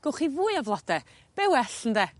gowch chi fwy o flode be well ynde?